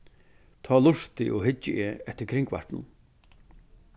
tá lurti og hyggi eg eftir kringvarpinum